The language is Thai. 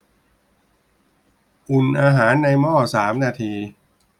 อุ่นอาหารในหม้อสามนาที